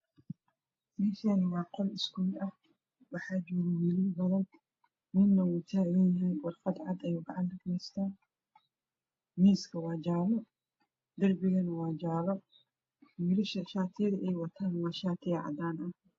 Meeehan waa qol school ah waxaa joogo wiilal badan midna wuu taganyahy war qad cad ayuu gacanta ku haystaa miiska waa jaalo darbogana waa jaale wiilasha shatiga ay wataan waa cadaan